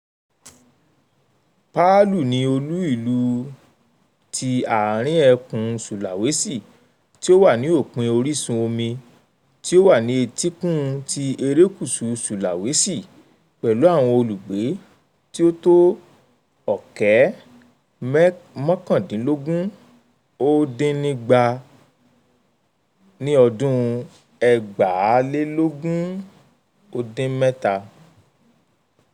Palu ni olú-ìlú ti Àárín ẹkùn Sulawesi, tí ó wà ní òpin orísun omi tí ó wà ni etíkun ti erekuṣu Sulawesi, pẹ̀lú àwọn olùgbé tí ó to 379,800 ní ọdún 2017.